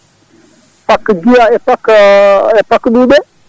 fakka Guiya e fakka e fakka Ɓouɓe